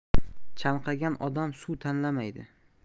chanqagan odam suv tanlamaydi